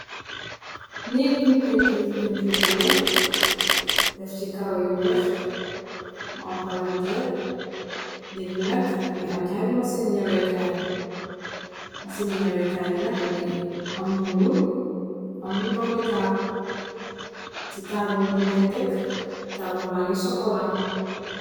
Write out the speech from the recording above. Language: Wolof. neek buñ pintiir pintiir bu weex def ci karo yu weex mu am palanteer neg bi nak mngi am ñaari maseni ñaweekaay yi nak ñu ngi am lu ñuul am lu doomitaal ci taabal buñ leentekk taabul ba ngi sokolaa